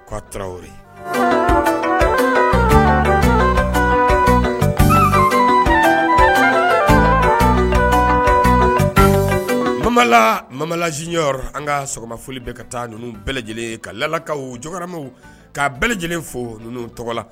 Ka taraweleri mamala mamalaz an ka sɔgɔma foli bɛ ka taa ninnu bɛɛ lajɛlen ka lakaw jɔmaw ka bɛɛ lajɛlen fo ninnu tɔgɔ la